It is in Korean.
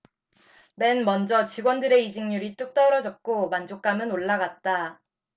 맨먼저 직원들의 이직률이 뚝 떨어졌고 만족감은 올라갔다